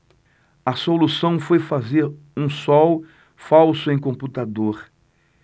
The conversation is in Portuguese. a solução foi fazer um sol falso em computador